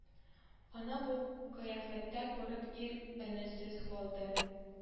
Ана бу кыяфәттә күреп ир өнесез калды